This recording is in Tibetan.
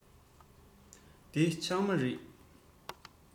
འདི ཕྱགས མ རིད